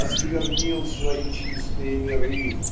осквернил свои чистые миры